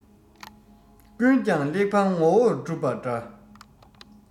ཀུན ཀྱང གླེགས བམ ངོ བོར གྲུབ པ འདྲ